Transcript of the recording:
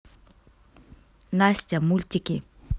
настя мультики